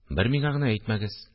– бер миңа гына әйтмәгез